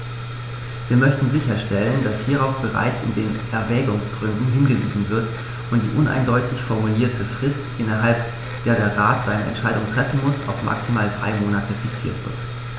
Wir möchten sicherstellen, dass hierauf bereits in den Erwägungsgründen hingewiesen wird und die uneindeutig formulierte Frist, innerhalb der der Rat eine Entscheidung treffen muss, auf maximal drei Monate fixiert wird.